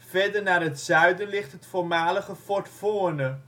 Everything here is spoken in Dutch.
Verder naar het zuiden ligt het voormalige Fort Voorne